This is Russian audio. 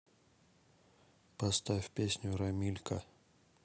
поставь песню рамилька